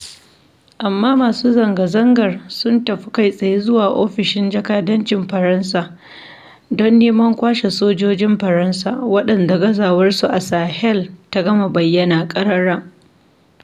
Amma masu zanga-zangar sun tafi kai tsaye zuwa Ofishin Jakadancin Faransa don neman kwashe sojojin Faransa, wanɗanda gazawar su a Sahel ta gama bayyana ƙarara.